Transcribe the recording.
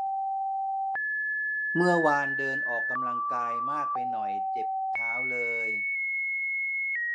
เมื่อวานเดินออกกำลังกายมากไปหน่อยเจ็บเท้าเลย